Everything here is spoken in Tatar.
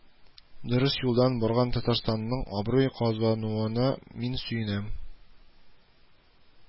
Дөрес юлдан барган Татарстанның абруй казануына мин сөенәм